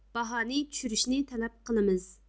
باھانى چۈشۈرۈشنى تەلەپ قىلىمىز